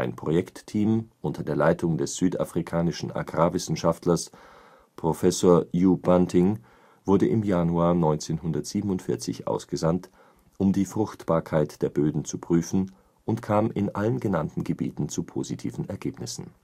Projektteam unter der Leitung des südafrikanischen Agrarwissenschaftlers Professor Hugh Bunting wurde im Januar 1947 ausgesandt, um die Fruchtbarkeit der Böden zu prüfen, und kam in allen genannten Gebieten zu positiven Ergebnissen